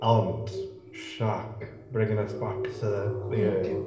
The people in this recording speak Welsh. Ond, Shaq bringing us back to the the er-.